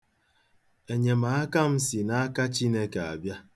Enyemaka m si n'aka Chineke abịa.